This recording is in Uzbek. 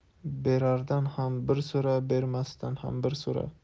berardan ham bir so'ra bermasdan ham bir so'ra